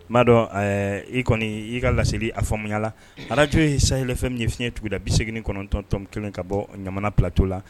O m'a dɔn ɛɛ i kɔni i ka laeli aa fɔmuyala arajo ye' sayɛlɛfɛn ye fiɲɛɲɛ tuguda bise kɔnɔntɔntɔn kelen ka bɔ ɲa patɔ la